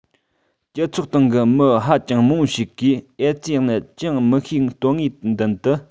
སྤྱི ཚོགས སྟེང གི མི ཧ ཅང མང པོ ཞིག གིས ཨེ ཙི ནད ཅི ཡང མི ཤེས དོན དངོས མདུན དུ